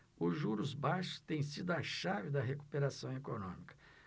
os juros baixos têm sido a chave da recuperação econômica